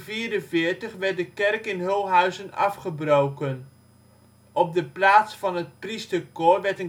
1844 werd de kerk in Hulhuizen afgebroken. Op de plaats van het priesterkoor werd